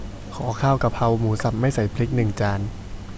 ขอข้าวกะเพราหมูสับไม่ใส่พริกหนึ่งจาน